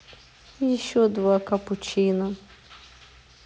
еще два капучино